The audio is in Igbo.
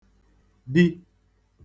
di